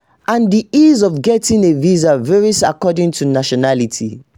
And the ease of getting a visa varies according to nationality.